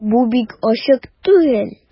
Бу бик ачык түгел...